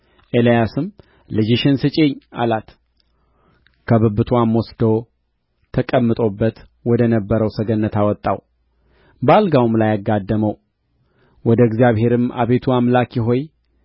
ኤልያስም ልጅሽን ስጪኝ አላት ከብብትዋም ወስዶ ተቀምጦበት ወደ ነበረው ሰገነት አወጣው በአልጋውም ላይ አጋደመው ወደ እግዚአብሔርም አቤቱ አምላኬ ሆይ